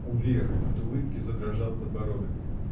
У Веры от улыбки задрожал подбородок.